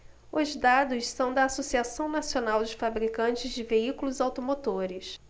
os dados são da anfavea associação nacional dos fabricantes de veículos automotores